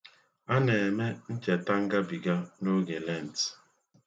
A na-eme ncheta ngabiga n'oge Lẹnt.